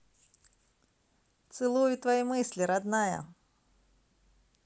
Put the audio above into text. целую твои мысли родная